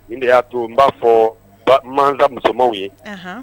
Nin de y'a to n b'a fɔ mankan musomanw ye